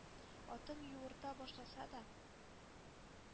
Атым юырта башласа да